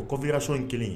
O ko viraso in kelen ye